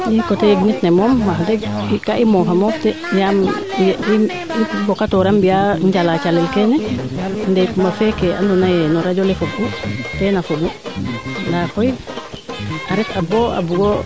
i coté ye nit ne moom wax deg kaa i moofa moof de yaam i mbokatoora mbiya njala calel kene Ndeye Coumba feeke ando anye no radio le fogu teena fogu ndaa koy a ret a booa bugo